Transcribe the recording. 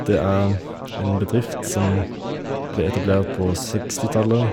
Det er en bedrift som ble etablert på sekstitallet.